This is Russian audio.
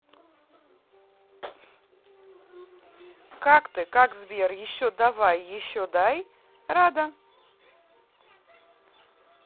как ты как сбер еще давай еще дай рада